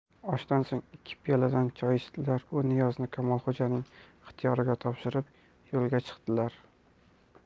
oshdan so'ng ikki piyoladan choy ichdilar u niyozni kamolxo'janing ixtiyoriga topshirib yo'lga chiqdilar